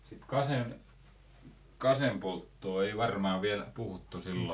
sitten kasken kaskenpolttoa ei varmaan vielä puhuttu silloin